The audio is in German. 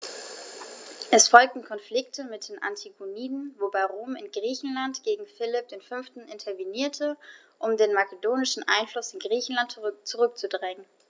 Es folgten Konflikte mit den Antigoniden, wobei Rom in Griechenland gegen Philipp V. intervenierte, um den makedonischen Einfluss in Griechenland zurückzudrängen.